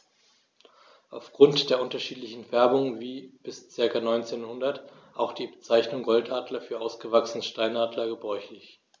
Auf Grund der unterschiedlichen Färbung war bis ca. 1900 auch die Bezeichnung Goldadler für ausgewachsene Steinadler gebräuchlich.